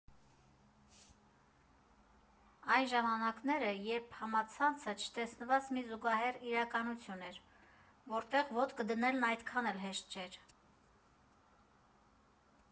Այն ժամանակները, երբ համացանցը չտեսնված մի զուգահեռ իրականություն էր, որտեղ ոտք դնելն այդքան էլ հեշտ չէր։